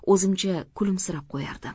o'zimcha kulimsirab qo'yardim